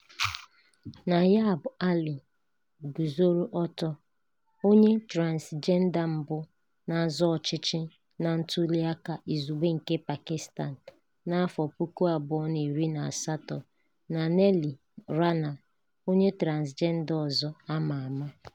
Nayaab Ali (guzoro ọtọ), onye transịjenda mbụ na-azọ ọchịchị na ntụliaka izugbe nke Pakistan na 2018, na Neeli Rana, onye transịjenda ọzọ a ma ama.